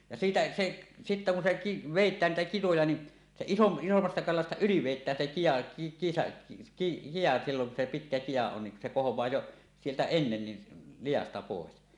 ja siitä se sitten kun se - vedetään niitä kitoja niin se - isommasta kalasta yli vedetään se kita - kita silloin kun se pitkä kita on niin kun se kohoaa jo sieltä ennen niin liasta pois